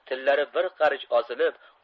tillari bir qarich osilib